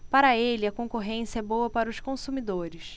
para ele a concorrência é boa para os consumidores